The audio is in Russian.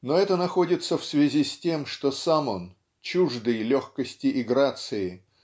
Но это находится в связи с тем что сам он чуждый легкости и грации